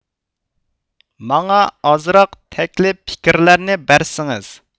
ماڭا ئازراق تەكلىپ پىكرلەرنى بەرسىڭىز